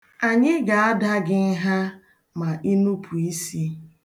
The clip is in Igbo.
Anyị ga-ada gị nha ma inupu isi.